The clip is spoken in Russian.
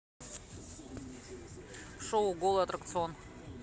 шоу голый аттракцион